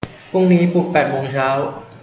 พรุ่งนี้ปลุกแปดโมงเช้า